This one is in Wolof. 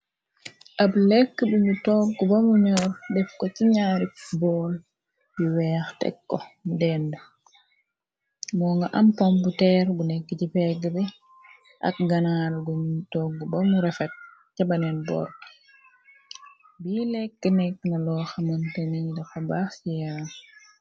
Ab lekk biñu togg bamu ñoor def ko ci naari bool yu weex tek ko mu dend moo nga am pompu teer bu nekk ci pegg be ak ganaar guñu togg bamu refet cabanen bool bi lekk nekk na loo xamonte niñ dako baax ciyaan.